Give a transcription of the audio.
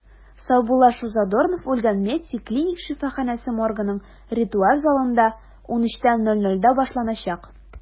Саубуллашу Задорнов үлгән “МЕДСИ” клиник шифаханәсе моргының ритуаль залында 13:00 (мск) башланачак.